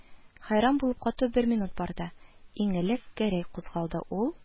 Хәйран булып кату бер минут барды, иң элек Гәрәй кузгалды, ул: